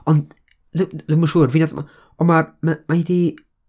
Ond, dd- ddim yn siŵr, fi wnaeth m- ond ma'r, ma hi 'di...